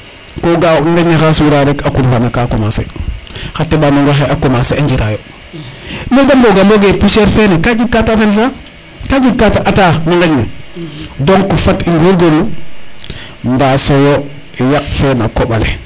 ko ga a ngeñ ne xa sura rek a kurfana ka commencer xa teɓanonga xe a commencer a njira yo mais de mboga mboge poussiere fene ka jeg ka te atida ka jeg kate ata o ŋeñ ne donc fat i ngorngorlu mbaso yo yaq fe na koɓale